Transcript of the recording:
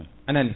anani